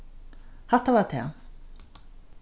hatta var tað